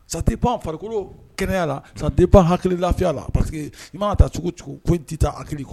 Sa tɛ pan farikolo kɛnɛya la sa tɛ pan hakili lafiya la parceseke i'a ta cogo cogo ko tɛ taa hakili kɔnɔ